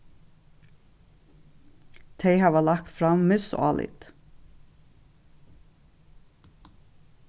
tey hava lagt fram misálit